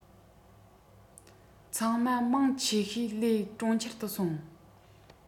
ཚང མ མང ཆེ ཤས ལས གྲོང ཁྱེར དུ སོང